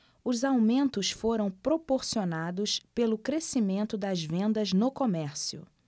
os aumentos foram proporcionados pelo crescimento das vendas no comércio